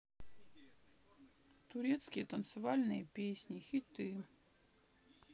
турецкие танцевальные песни хиты